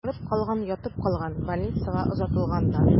Арып калган, ятып калган, больницага озатылганнар.